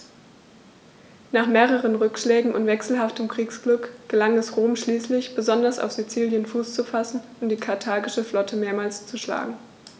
Nach mehreren Rückschlägen und wechselhaftem Kriegsglück gelang es Rom schließlich, besonders auf Sizilien Fuß zu fassen und die karthagische Flotte mehrmals zu schlagen.